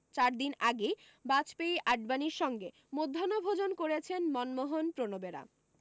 চার দিন আগেই বাজপেয়ী আডবাণীর সঙ্গে মধ্যাহ্নভোজন করেছেন মনমোহন প্রণবেরা